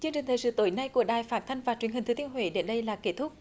chương trình thời sự tối nay của đài phát thanh và truyền hình thừa thiên huế đến đây là kết thúc